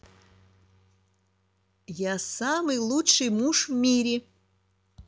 я самый лучший муж в мире